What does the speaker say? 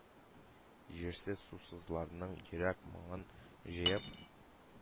Җирсез-сусызларның йөрәк моңын җыеп